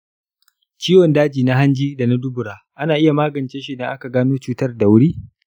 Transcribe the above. ciwon daji na hanji dana dubura ana iya maganceshi idan aka gano cutar da wuri?